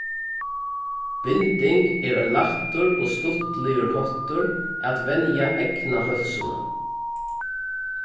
binding er ein lættur og stuttligur háttur at venja eygnaheilsuna